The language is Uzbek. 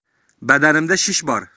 badanimda shish bor